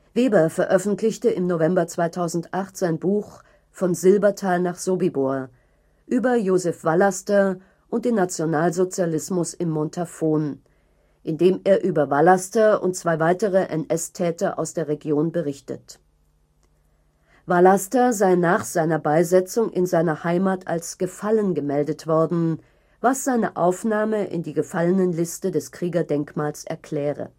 Weber veröffentlichte im November 2008 sein Buch Von Silbertal nach Sobibor. Über Josef Vallaster und den Nationalsozialismus im Montafon, in dem er über Vallaster und zwei weitere NS-Täter aus der Region berichtet. Vallaster sei nach seiner Beisetzung in seiner Heimat als „ gefallen “gemeldet worden, was seine Aufnahme in die Gefallenenliste des Kriegerdenkmals erkläre